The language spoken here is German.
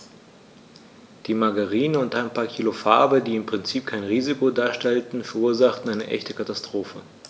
Die Margarine und ein paar Kilo Farbe, die im Prinzip kein Risiko darstellten, verursachten eine echte Katastrophe.